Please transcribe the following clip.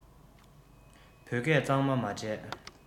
བོད སྐད གཙང མ མ བྲལ